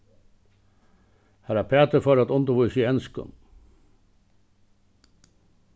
harra pætur fór at undirvísa í enskum